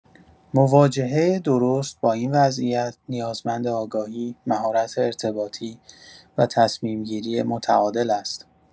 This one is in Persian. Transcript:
مواجهه درست با این وضعیت، نیازمند آگاهی، مهارت ارتباطی و تصمیم‌گیری متعادل است.